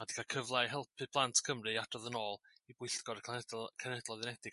ac 'di ca'l cyfla i helpu plant Cymru i adrodd yn ôl i bwyllgor Cenhedl- Cenhedloedd Unedig